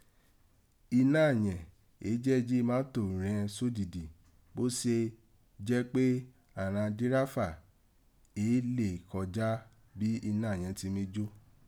Iná yẹn éè jẹ́ jí mátò rẹ́n sodidi bo si jẹ́ pé àghan díráfà éè lè kọjá bí iná yẹ̀n ti mí jó.